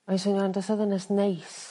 Mae swno andros o ddynes neis.